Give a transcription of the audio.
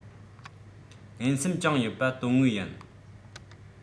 ངན སེམས བཅངས ཡོད པ དོན དངོས ཡིན